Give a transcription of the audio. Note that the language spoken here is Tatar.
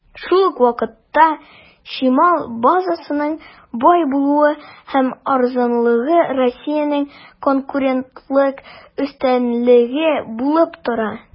Шул ук вакытта, чимал базасының бай булуы һәм арзанлыгы Россиянең конкурентлык өстенлеге булып тора.